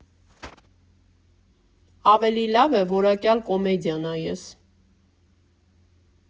Ավելի լավ է՝ որակյալ կոմեդիա նայես։